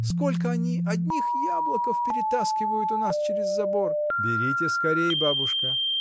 Сколько они одних яблоков перетаскивают у нас через забор! — Берите скорей, бабушка!